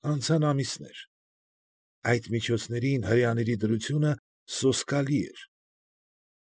Անցան ամիսներ։ Այդ միջոցներին հրեաների դրությունը սոսկալի էր։